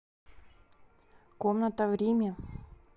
комната в риме